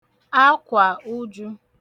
akwa ujū